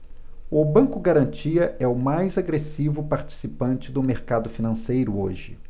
o banco garantia é o mais agressivo participante do mercado financeiro hoje